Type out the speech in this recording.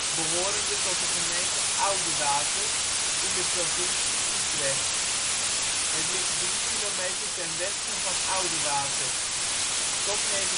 behorende tot de gemeente Oudewater in de provincie Utrecht. Het ligt tussen 3 kilometer ten westen van Oudewater. Tot 1964